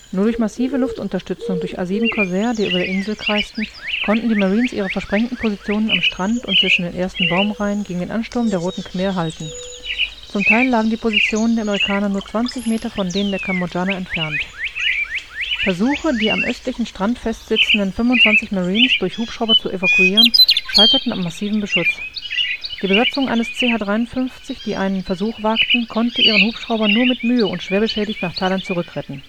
durch massive Luftunterstützung durch A-7 Corsair, die über der Insel kreisten, konnten die Marines ihre versprengten Positionen am Strand und zwischen den ersten Baumreihen gegen den Ansturm der Roten Khmer halten. Zum Teil lagen die Positionen der Amerikaner nur 20 Meter von denen der Kambodschaner entfernt. Versuche, die am östlichen Strand festsitzenden 25 Marines durch Hubschrauber zu evakuieren, scheiterten am massiven Beschuss. Die Besatzung eines CH-53, die einen Versuch wagte, konnte ihren Hubschrauber nur mit Mühe und schwer beschädigt nach Thailand zurückretten